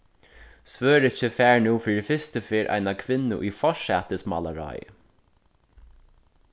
svøríki fær nú fyri fyrstu ferð eina kvinnu í forsætismálaráðið